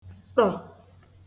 ṭọ̀